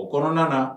O kɔnɔna na